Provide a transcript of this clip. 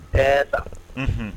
Bɛɛba